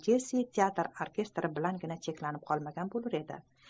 jessi teatr orkestri bilangina cheklanib qolmagan bo'lur edi